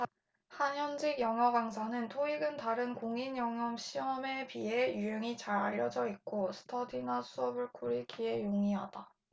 한 현직 영어강사는 토익은 다른 공인영어시험에 비해 유형이 잘 알려져 있고 스터디나 수업을 꾸리기에 용이하다